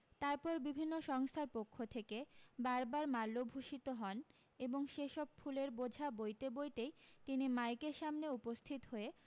তারপর বিভিন্ন সংস্থার পক্ষ থেকে বারবার মাল্যভূষিত হন এবং সেই সব ফুলের বোঝা বৈতে বৈতই তিনি মাইকের সামনে উপস্থিত হয়ে